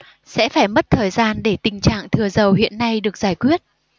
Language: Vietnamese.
sẽ phải mất thời gian để tình trạng thừa dầu hiện nay được giải quyết